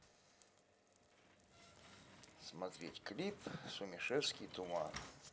смотреть клип сумишевский туман